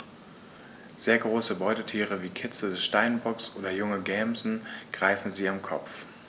Sehr große Beutetiere wie Kitze des Steinbocks oder junge Gämsen greifen sie am Kopf.